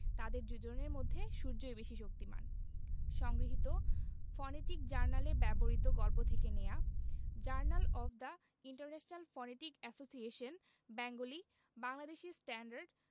তাদের দুজনের মধ্যে সূর্যই বেশি শক্তিমান সংগৃহীত ফনেটিক জার্নালে ব্যবহিত গল্প থেকে নেওয়া journal of the international phonetic association Bengali Bangladeshi standard